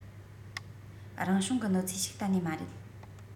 རང བྱུང གི གནོད འཚེ ཞིག གཏན ནས མ རེད